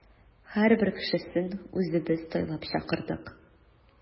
Һәрбер кешесен үзебез сайлап чакырдык.